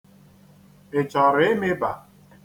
Ị chọrọ ịmịba?